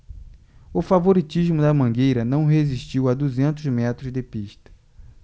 o favoritismo da mangueira não resistiu a duzentos metros de pista